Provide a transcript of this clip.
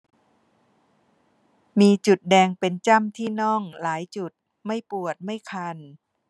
มีจุดแดงเป็นจ้ำที่น่องหลายจุดไม่ปวดไม่คัน